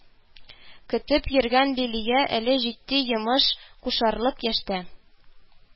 Көтеп йөргән лилия әле җитди йомыш кушарлык яшьтә